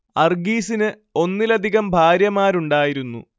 അർഗീസിന് ഒന്നിലധികം ഭാര്യമാരുണ്ടായിരുന്നു